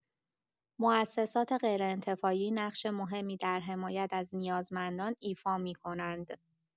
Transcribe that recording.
مؤسسات غیرانتفاعی نقش مهمی در حمایت از نیازمندان ایفا می‌کنند.